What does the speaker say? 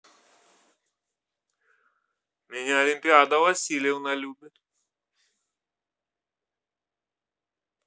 меня олимпиада васильевна любит